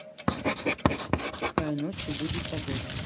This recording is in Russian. какая ночью будет погода